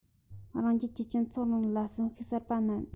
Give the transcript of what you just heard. རང རྒྱལ གྱི སྤྱི ཚོགས རིང ལུགས ལ གསོན ཤུགས གསར པ བསྣན